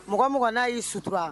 Mɔgɔ mɔgɔ n'a y'i sutura